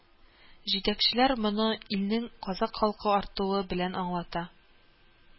Җитәкчеләр моны илнең казакъ халкы артуы белән аңлата